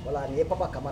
Wala ni baba kama